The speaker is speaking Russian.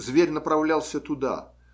зверь направлялся туда.